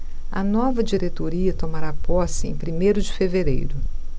a nova diretoria tomará posse em primeiro de fevereiro